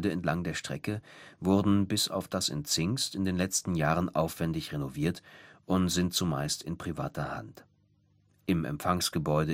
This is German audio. entlang der Strecke wurden, bis auf das in Zingst, in den letzten Jahren aufwändig renoviert und sind zumeist in privater Hand. Der